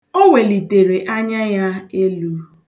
O welitere anya ya elu.